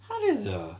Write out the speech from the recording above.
Harry oedd o?